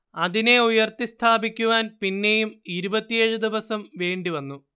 അതിനെ ഉയർത്തി സ്ഥാപിക്കുവാൻ പിന്നെയും ഇരുപത്തിയേഴ് ദിവസം വേണ്ടിവന്നു